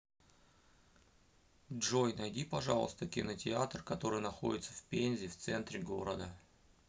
джой найди пожалуйста кинотеатр который находится в пензе в центре города